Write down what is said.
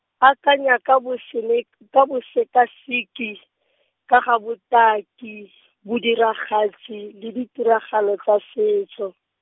akanya ka bosenek- bosekaseki , ka ga botaki, bodiragatsi le ditiragalo tsa setso.